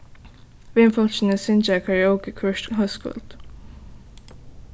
vinfólkini syngja karaoke hvørt hóskvøld